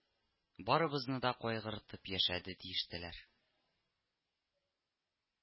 Барыбызны да кайгыртып яшәде, — диештеләр